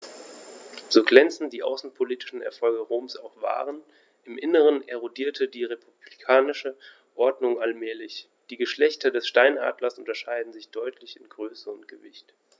So glänzend die außenpolitischen Erfolge Roms auch waren: Im Inneren erodierte die republikanische Ordnung allmählich. Die Geschlechter des Steinadlers unterscheiden sich deutlich in Größe und Gewicht.